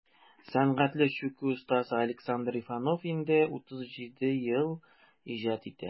Сәнгатьле чүкү остасы Александр Иванов инде 37 ел иҗат итә.